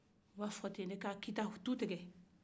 o b'a fɔten de ka kita tu tigɛ